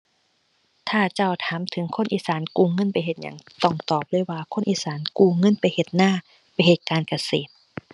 ถ้าเจ้าถามถึงคนอีสานกู้เงินไปเฮ็ดหยัง ต้องตอบเลยว่าคนอีสานกู้เงินไปเฮ็ดนา ไปเฮ็ดการเกษตร